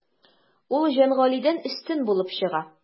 Ул Җангалидән өстен булып чыга.